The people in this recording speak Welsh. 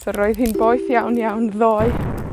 So roedd hi'n boeth iawn, iawn ddoe.